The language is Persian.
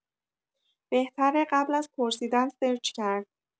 بهتره قبل از پرسیدن سرچ کرد.